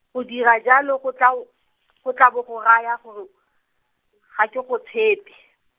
go dira jalo go tla -o, go tla bo go raya gore, ga ke go tshepe.